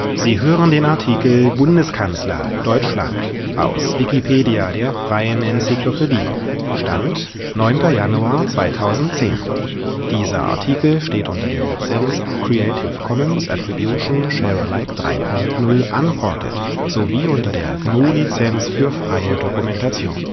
Sie hören den Artikel Bundeskanzler (Deutschland), aus Wikipedia, der freien Enzyklopädie. Mit dem Stand vom Der Inhalt steht unter der Lizenz Creative Commons Attribution Share Alike 3 Punkt 0 Unported und unter der GNU Lizenz für freie Dokumentation